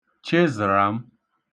Chịzə̣̀ràm